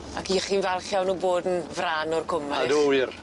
Ac 'ych chi'n falch iawn o bod yn fran o'r cwm ydych? Ydw wir.